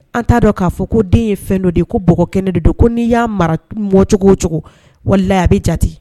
An t'a dɔn k'a fɔ ko den ye fɛn dɔ de ye ko bɔgɔkɛnɛ de don ko n'i y'a mara mɔcogo o cogo wala la a bɛ jate